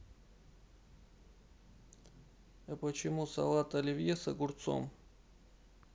а почему салат оливье с огурцом